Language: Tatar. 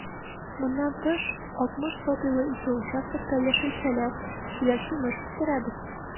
Моннан тыш, 60 сотыйлы ике участокта яшелчәләр, җиләк-җимеш үстерәбез.